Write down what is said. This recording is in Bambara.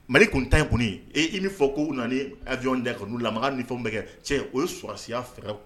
Mali tun ta ye kun ye e' fɔ ko nanajyɔn da ka n' la ni fɛnw bɛ kɛ cɛ ye o ye sɔsiya fɛɛrɛ